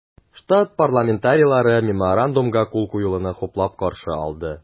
Штат парламентарийлары Меморандумга кул куелуны хуплап каршы алды.